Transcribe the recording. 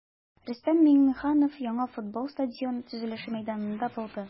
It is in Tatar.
Рөстәм Миңнеханов яңа футбол стадионы төзелеше мәйданында булды.